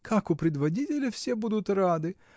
— Как у предводителя все будут рады!